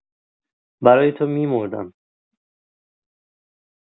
برای تو می‌مردم